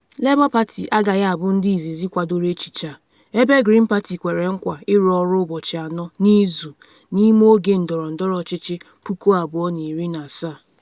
Labour Party agaghị abụ ndị izizi kwadoro echiche a, ebe Green Party kwere nkwa ịrụ ọrụ ụbọchị anọ n’izu n’ime oge ndọrọndọrọ ọchịchị 2017.